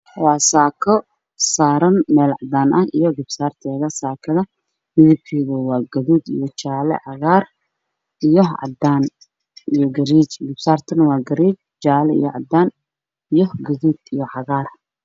Waa saako saaran meel cadaan ah iyo garbasaarteeda midabkiisu waa gaduud, jaale, gariije, cagaar iyo cadaan, garbasaartuna waa garee, jaale iyo cadaan, gaduud iyo cagaar.